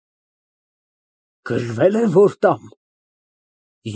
Փահ, գժվել եմ, որ տամ։